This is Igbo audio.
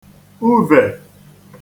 uvè